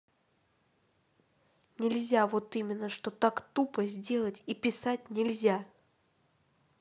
нельзя вот именно что так тупо сделать и писать нельзя